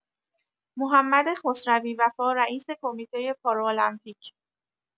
محمد خسروی وفا رئیس کمیته پارالمپیک